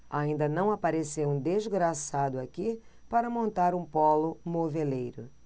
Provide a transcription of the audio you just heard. ainda não apareceu um desgraçado aqui para montar um pólo moveleiro